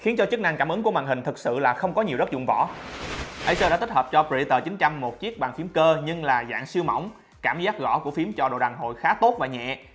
khiến cho chức năng cảm ứng của màn hình thực sự không có nhiều đất dụng võ acer đã tích hợp cho predator triton chiếc bàn phím cơ nhưng là dạng siêu mỏng cảm giác gõ của phím cho độ đàn hồi khá tốt và nhẹ